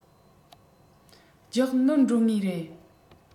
རྒྱག ནོར འགྲོ ངེས རེད